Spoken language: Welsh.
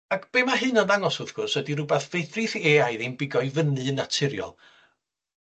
Ag be' ma' hyn yn ddangos wrth gwrs ydi rhwbath fedrith Ay I ddim bigo i fyny yn naturiol.